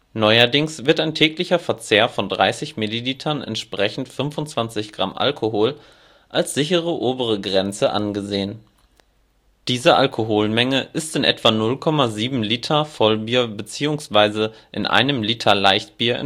Neuerdings wird ein täglicher Verzehr von 30 ml entsprechend 25 g Alkohol als sichere obere Grenze angesehen. Diese Alkoholmenge ist in etwa 0,7 Liter Vollbier beziehungsweise in einem Liter Leichtbier